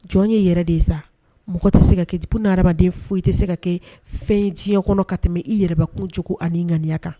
Jɔn ye i yɛrɛ de ye sa mɔgɔ tɛ se ka kɛ t buna hadamaden foyi te se ka kɛ fɛn ye diɲɛ kɔnɔ ka tɛmɛ i yɛrɛbakun jogo an'i ŋaniya kan